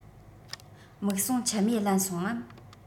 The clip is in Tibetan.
མིག ཟུང མཆི མས བརླན སོང ངམ